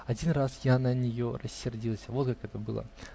Один раз я на нее рассердился. Вот как это было.